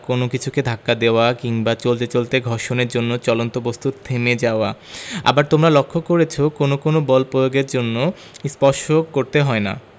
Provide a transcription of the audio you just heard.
কোনো কিছুকে ধাক্কা দেওয়া কিংবা চলতে চলতে ঘর্ষণের জন্য চলন্ত বস্তুর থেমে যাওয়া আবার তোমরা লক্ষ করেছ কোনো কোনো বল প্রয়োগের জন্য স্পর্শ করতে হয় না